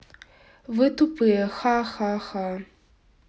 вы тупые ха ха ха